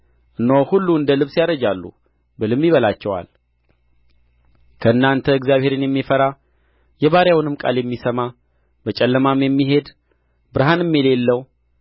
እነሆ ሁሉ እንደ ልብስ ያረጃሉ ብልም ይበላቸዋል ከእናንተ እግዚአብሔርን የሚፈራ የባሪያውንም ቃል የሚሰማ በጨለማም የሚሄድ ብርሃንም የሌለው